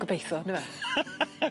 Gobeitho yndyfe.